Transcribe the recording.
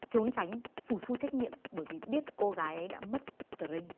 trốn tránh phủi phui trách nhiệm bởi vì biết cô gái ấy đã mất tờ rinh